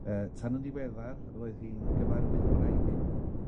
Yy tan yn ddiweddar, roedd hi'n gyfarwyddwraig...